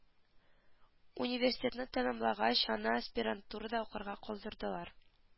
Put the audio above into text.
Университетны тәмамлагач аны аспирантурада укырга калдыралар